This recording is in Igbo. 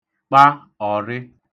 kpa ọ̀rị